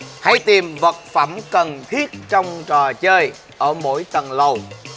hãy tìm vật phẩm cần thiết trong trò chơi ở mỗi tầng lầu